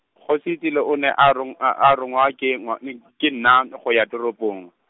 Kgosietsile o ne a rong-, a a rongwa ke ngw- , ke nna, go ya toropong.